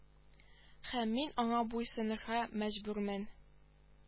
Һәм мин аңа буйсынырга мәҗбүрмен